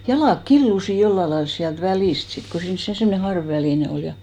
jalat killuivat jollakin lailla sieltä välistä sitten kun siinä se semmoinen harvavälinen oli ja